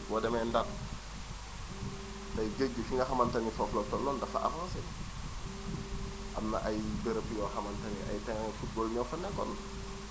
boo demee Ndar tey géej gi fi nga xamante ni foofu la tolloon dafa avancé am na ay béréb yoo xamante ni ay terrain football ñoo fa nekkoon